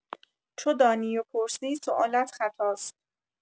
چو دانی و پرسی سوالت خطاست